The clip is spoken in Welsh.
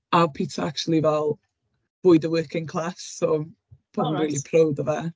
A oedd pitsa acshyli fel bwyd y working class. So... o right ...maen nhw'n rili proud o fe.